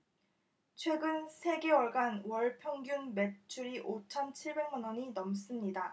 최근 세 개월간 월 평균 매출이 오 천 칠 백만 원이 넘습니다